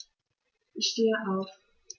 Ich stehe auf.